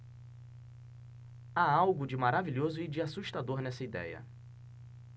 há algo de maravilhoso e de assustador nessa idéia